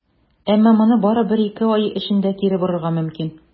Әмма моны бары бер-ике ай эчендә кире борырга мөмкин.